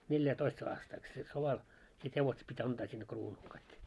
neljätoista aastaikaa se sodalla sitten hevoset piti antaa sinne kruunulle kaikki